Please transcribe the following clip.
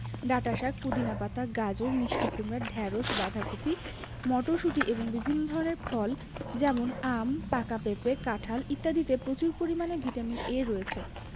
ডাঁটাশাক পুদিনা পাতা গাজর মিষ্টি কুমড়া ঢেঁড়স বাঁধাকপি মটরশুঁটি এবং বিভিন্ন ধরনের ফল যেমন আম পাকা পেঁপে কাঁঠাল ইত্যাদিতে প্রচুর পরিমানে ভিটামিন এ রয়েছে